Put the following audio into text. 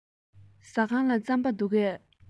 ཟ ཁང ལ རྩམ པ འདུག གས